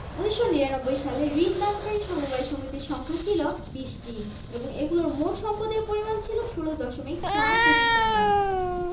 এখানকার প্লাবনভূমি এলাকায় অত্যল্প গভীরতাতেই ভূগর্ভস্থ পানি পাওয়া যায় তুলনামূলক উঁচু সোপান এলাকা অর্থাৎ বরেন্দ্রভূমি ও মধুপুরগড় এলাকায়